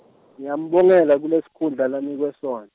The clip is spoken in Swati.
Ngiyambongela kulesikhundla lanikwe sona.